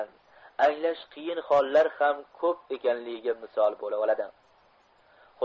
anglash qiyin hollar ham ko'p ekanligiga misol bo'laoladi